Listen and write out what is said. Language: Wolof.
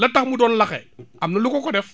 la tax mu doon laxe am na lu ko ko def